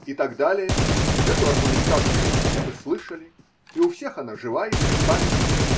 И так далее – эту аргументацию все мы слышали, и у всех она жива еще в памяти.